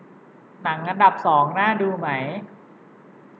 หนังอันดับสองน่าดูไหม